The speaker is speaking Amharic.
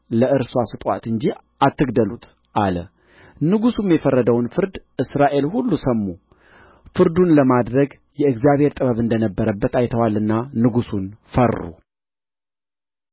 ለእርስዋ ስጡአት እንጂ አትግደሉት አለ ንጉሡም የፈረደውን ፍርድ እስራኤል ሁሉ ሰሙ ፍርድን ለማድረግ የእግዚአብሔር ጥበብ እንደ ነበረበት አይተዋልና ንጉሡን ፈሩ